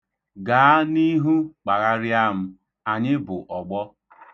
Gaa n'ihu kpagharịa m! Anyị bụ ọgbọ!